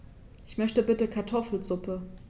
Ich möchte bitte Kartoffelsuppe.